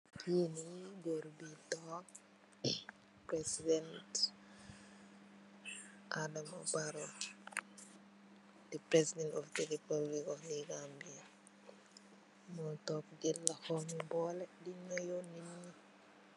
Keene goor be tonke president Adama Barrow ,The President Of The Republic Of the Gambia mu tonke jel lohom yee boleh de noyu neet nyi.